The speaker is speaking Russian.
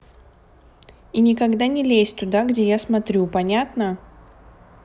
и никогда не лезь туда где я смотрю понятно